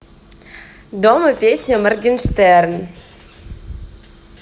дома песня morgenshtern